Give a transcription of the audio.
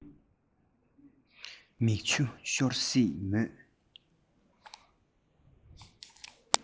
མིག ཆུ ཤོར སྲིད མོད